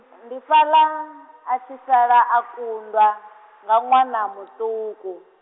ndi fhaḽa, a tshi sala a kundwa, nga ṅwana muṱuku.